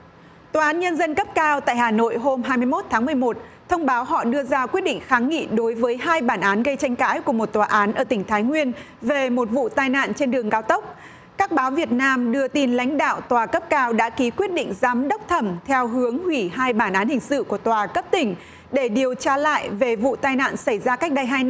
tòa án nhân dân cấp cao tại hà nội hôm hai mươi mốt tháng mười một thông báo họ đưa ra quyết định kháng nghị đối với hai bản án gây tranh cãi của một tòa án ở tỉnh thái nguyên về một vụ tai nạn trên đường cao tốc các báo việt nam đưa tin lãnh đạo tòa cấp cao đã ký quyết định giám đốc thẩm theo hướng hủy hai bản án hình sự của tòa cấp tỉnh để điều tra lại về vụ tai nạn xảy ra cách đây hai